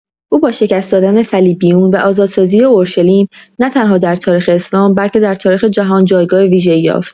او با شکست‌دادن صلیبیون و آزادسازی اورشلیم، نه‌تنها در تاریخ اسلام بلکه در تاریخ جهان جایگاه ویژه‌ای یافت.